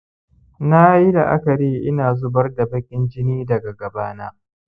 nayi la'akari ina zubar da bakin jini daga gabana